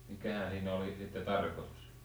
mikähän siinä oli sitten tarkoitus